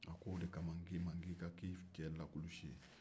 o de kama n k'i ma k'i ka k'i cɛ lakulusi ye